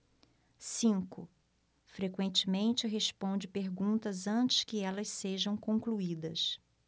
cinco frequentemente responde perguntas antes que elas sejam concluídas